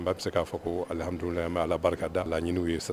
Maa bɛ se k'a fɔ ko alihamududulila an bɛ Ala barikada laɲiniw ye